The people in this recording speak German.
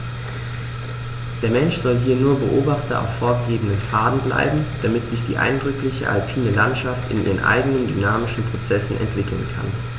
Der Mensch soll hier nur Beobachter auf vorgegebenen Pfaden bleiben, damit sich die eindrückliche alpine Landschaft in ihren eigenen dynamischen Prozessen entwickeln kann.